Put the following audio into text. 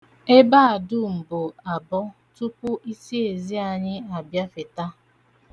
Ebe a dum bụ abọ tupu isi ezi anyị abịafeta.